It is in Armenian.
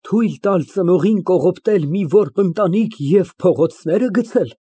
Թույլ տալ ծնողին կողոպտել մի որբ ընտանիք և փողոցնե՞րը գցել։